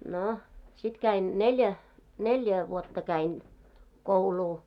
no sitten kävin neljä neljä vuotta kävin koulua